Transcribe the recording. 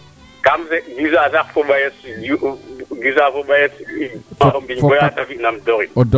kaa fe gisaa sax fo o mbayes tega o mbiñ baya te fina im ndoxin n